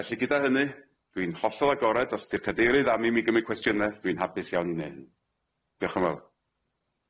Felly gyda hynny dwi'n hollol agored os di'r cadeirydd am i mi gymryd cwestiyne dwi'n hapus iawn i neu' hynny.